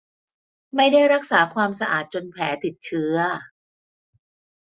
ไม่ได้รักษาความสะอาดจนแผลติดเชื้อ